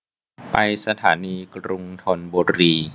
ไปสถานีกรุงธนบุรี